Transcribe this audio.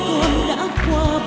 con